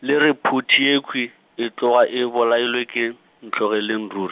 le re phuti yekhwi, e tloga e bolailwe ke, Ntlogeleng ruri?